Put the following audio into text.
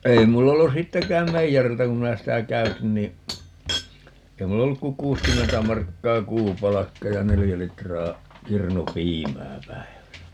ei minulla ollut sittenkään meijeriltä kun minä sitä käytin niin ei minulla ollut kuin kuusikymmentä markkaa kuupalkka ja neljä litraa kirnupiimää päivässä